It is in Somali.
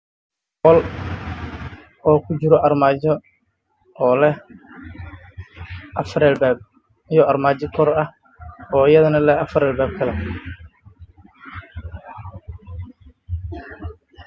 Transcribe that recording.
Qol uu ku juro armaajo OO leh afar albaab